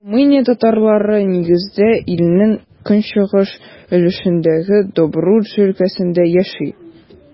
Румыния татарлары, нигездә, илнең көнчыгыш өлешендәге Добруҗа өлкәсендә яши.